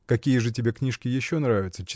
— Какие же тебе книжки еще нравятся?